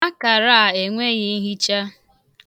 Akara a enweghị nhicha.